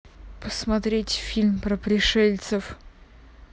посмотреть фильмы про пришельцев